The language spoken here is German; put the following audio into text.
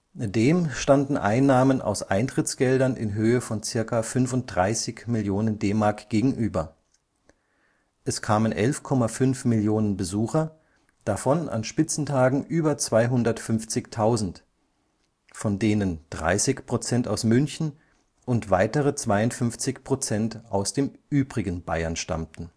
Dem standen Einnahmen aus Eintrittsgeldern in Höhe von ca. 35 Millionen DM gegenüber: Es kamen 11,5 Millionen Besucher, davon an Spitzentagen über 250.000, von denen 30 % aus München und weitere 52 % aus dem übrigen Bayern stammten